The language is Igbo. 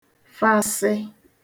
fasị